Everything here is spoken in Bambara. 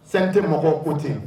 San tɛ mɔgɔ ko ten